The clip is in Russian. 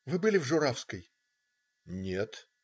-"Вы были в Журавской?"- "Нет".